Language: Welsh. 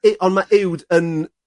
U- on' ma' uwd yn